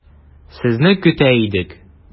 Сезне көтә идек.